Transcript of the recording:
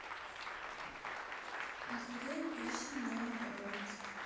отгадай песню наоборот